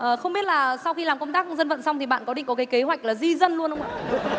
ờ không biết là sau khi làm công tác dân vận xong thì bạn có định có cái kế hoạch là di dân luôn không ạ